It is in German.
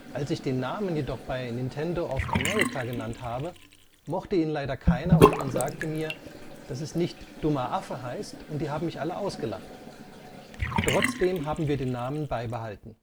Als ich den Namen jedoch bei Nintendo of America genannt habe mochte ihn leider keiner und man sagte mir, dass es nicht ‚ Dummer Affe ‘heißt und die haben mich alle ausgelacht! Trotzdem haben wir den Namen beibehalten